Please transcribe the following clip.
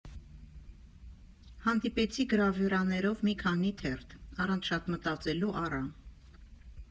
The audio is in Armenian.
Հանդիպեցի գրավյուրաներով մի քանի թերթ, առանց շատ մտածելու առա։